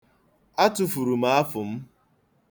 Atụfuru m afụ m.